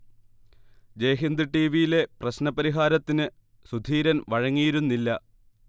ജയ്ഹിന്ദ് ടിവിയിലെ പ്രശ്ന പരിഹാരത്തിന് സുധീരൻ വഴങ്ങിയിരുന്നില്ല